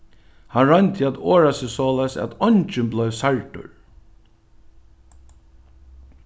hann royndi at orða seg soleiðis at eingin bleiv særdur